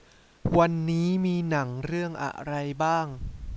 วันนี้มีหนังเรื่องอะไรบ้าง